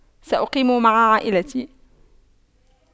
سأقيم مع عائلتي